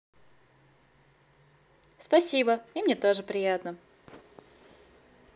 спасибо и мне тоже приятно